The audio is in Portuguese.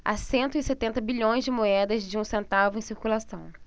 há cento e setenta bilhões de moedas de um centavo em circulação